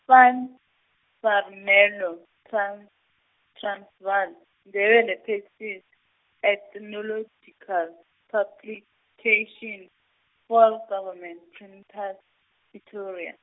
Van, Warmelo Trans- Transvaal, Ndebele taxi's, Ethnological, Publication, vol- Government Printers, Pretoria.